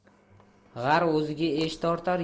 g'ar o'ziga esh tortar